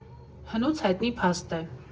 Հնուց հայտնի փաստ է.